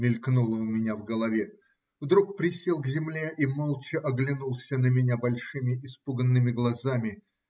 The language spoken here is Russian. мелькнуло у меня в голове), вдруг присел к земле и молча оглянулся на меня большими испуганными глазами.